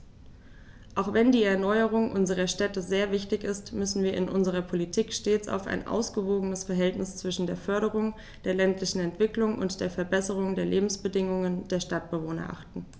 Auch wenn die Erneuerung unserer Städte sehr wichtig ist, müssen wir in unserer Politik stets auf ein ausgewogenes Verhältnis zwischen der Förderung der ländlichen Entwicklung und der Verbesserung der Lebensbedingungen der Stadtbewohner achten.